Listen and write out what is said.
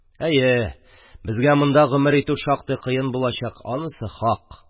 Әйе, безгә монда гомер итү шактый кыен булыр, анысы хак.